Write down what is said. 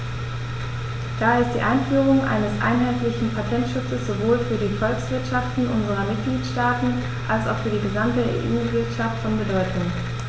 Daher ist die Einführung eines einheitlichen Patentschutzes sowohl für die Volkswirtschaften unserer Mitgliedstaaten als auch für die gesamte EU-Wirtschaft von Bedeutung.